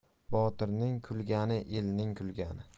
botirning kulgani elning kulgani